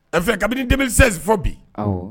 Enfin kabini 2016 fɔ bi, awɔ